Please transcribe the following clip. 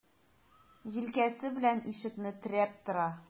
Җилкәсе белән ишекне терәп тора.